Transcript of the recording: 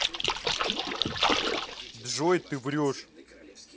джой ты врешь